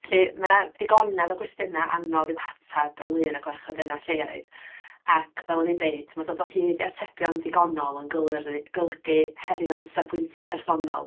Felly, mae 'na ddigonedd o gwestiynau anodd i'w hatab ynglyn â gwarchod enwau lleoedd, ac, fel o' i'n deud, ma' dod o hyd i atebion digonol yn golyru... golygu herio'n safbwyntia personol.